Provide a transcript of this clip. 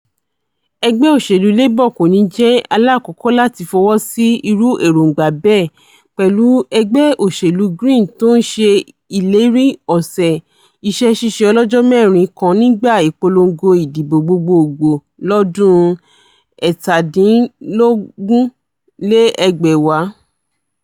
Ẹgbẹ́ Òṣèlú Labour kòní jẹ̵̵́ aláàkọ́kọ́ láti fọwosí irú èròǹgbà bẹ́ẹ̀, pẹ̀lú Ẹgbẹ́ Òṣèlú Green tó ńṣe ìléri ọ̀sẹ̀ iṣẹ́-ṣíṣe ọlọ́jọ́-mẹ́rin kan nígbà ìpolongo ìdìbò gbogbogbòò lọ́dún 2017.